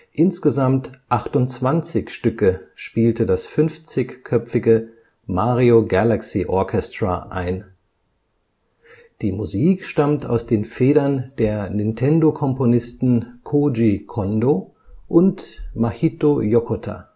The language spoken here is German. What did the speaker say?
Insgesamt 28 Stücke spielte das 50-köpfige „ Mario Galaxy Orchestra “ein. Die Musik stammt aus den Federn der Nintendo-Komponisten Kōji Kondō und Mahito Yokota